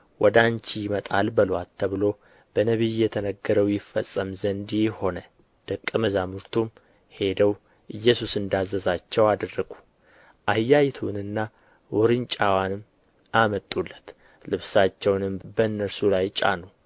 ወደ አንቺ ይመጣል በሉአት ተብሎ በነቢይ የተነገረው ይፈጸም ዘንድ ይህ ሆነ ደቀ መዛሙርቱም ሄደው ኢየሱስ እንዳዘዛቸው አደረጉ አህያይቱንና ውርንጫዋንም አመጡለት ልብሳቸውንም በእነርሱ ላይ ጫኑ